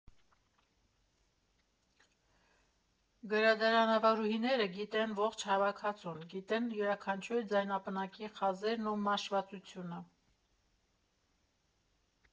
Գրադարանավարուհիները գիտեն ողջ հավաքածուն, գիտեն յուրաքանչյուր ձայնապնակի խազերն ու մաշվածությունը։